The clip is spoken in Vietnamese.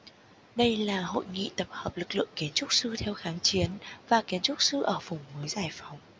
đây là hội nghị tập hợp lực lượng kiến trúc sư theo kháng chiến và kiến trúc sư ở vùng mới giải phóng